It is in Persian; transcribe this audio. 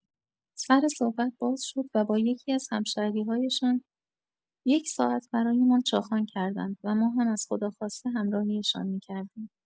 سر صحبت باز شد و با یکی‌از همشهری‌هایشان یک ساعت برایمان چاخان کردند و ما هم از خدا خواسته همراهی‌شان می‌کردیم.